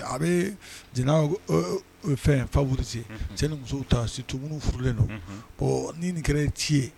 Aa bee jɛnɛya ee e fɛn favoriser cɛ ni musow ta surtout minu furulen don bon ni ni kɛra i ci ye